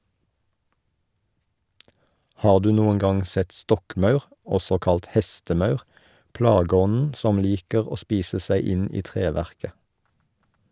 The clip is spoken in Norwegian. Har du noen gang sett stokkmaur, også kalt hestemaur, plageånden som liker å spise seg inn i treverket?